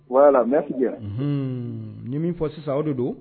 Wala n ni min fɔ sisan o de don